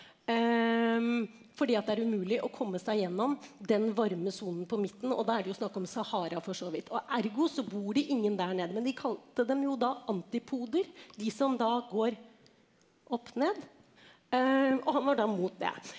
fordi at det er umulig å komme seg gjennom den varme sonen på midten og da er det jo snakk om Sahara for så vidt og ergo så bor det ingen der nede, men de kalte dem jo da antipoder de som da går opp ned og han var da mot det.